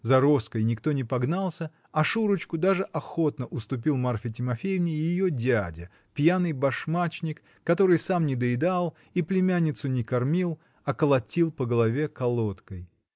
за Роской никто не погнался, а Шурочку даже охотно уступил Марфе Тимофеевне ее дядя, пьяный башмачник, который сам недоедал и племянницу не кормил, а колотил по голове колодкой.